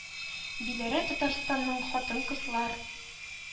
Диләрә Татарстанның хатын-кызлар